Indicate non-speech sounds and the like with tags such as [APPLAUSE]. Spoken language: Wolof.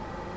[HESITATION] [HESITATION]